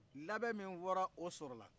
labɛn min fɔra o sɔrɔ la